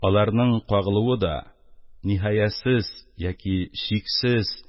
Аларның кагылуы да ниһаясез яки чиксез